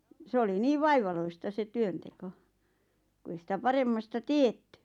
se oli niin vaivalloista se työnteko kun ei sitä paremmasta tiedetty